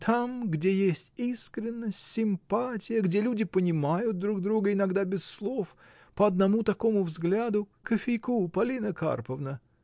Там, где есть искренность, симпатия, где люди понимают друг друга, иногда без слов, по одному такому взгляду. — Кофейку, Полина Карповна!